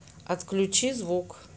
отключи звук